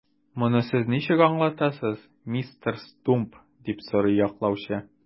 Моны сез ничек аңлатасыз, мистер Стумп? - дип сорый яклаучы.